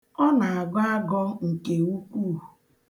Ọ na-agọ agọ nke ukwuu.